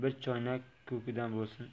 bir choynak ko'kidan bo'lsin